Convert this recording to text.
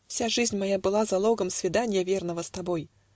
Вся жизнь моя была залогом Свиданья верного с тобой